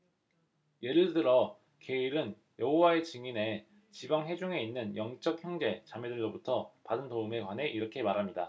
예를 들어 게일은 여호와의 증인의 지방 회중에 있는 영적 형제 자매들로부터 받은 도움에 관해 이렇게 말합니다